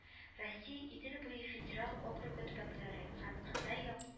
Россия Идел буе федерал округы төбәкләре һәм Кытай як